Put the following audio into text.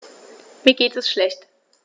Mir geht es schlecht.